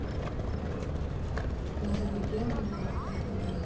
назови первую в алфавитном порядке